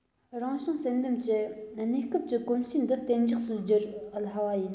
རང བྱུང བསལ འདེམས ཀྱིས གནས སྐབས ཀྱི གོམས གཤིས འདི གཏན འཇགས སུ བསྒྱུར སླ བ ཡིན